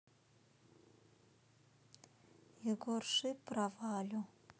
егор шип про валю